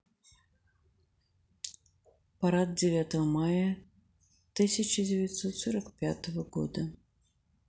парад девятого мая тысяча девятьсот сорок пятого года